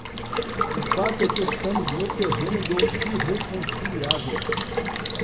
o fato é que estamos no terreno do irreconciliável